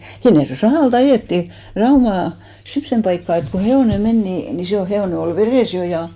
Hinnerjoen sahalta ajettiin Raumaan semmoiseen paikkaan että kun hevonen meni niin niin se oli hevonen oli vedessä' jo ja